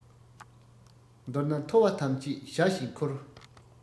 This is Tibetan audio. མདོར ན མཐོ བ ཐམས ཅད ཞྭ བཞིན ཁུར